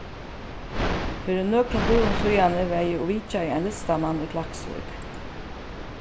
fyri nøkrum døgum síðani var eg og vitjaði ein listamann í klaksvík